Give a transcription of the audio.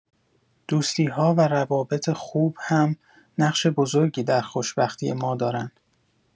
دوستی‌ها و روابط خوب هم نقش بزرگی در خوشبختی ما دارن.